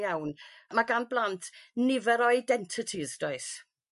iawn ma' gan blant nifer o identities does?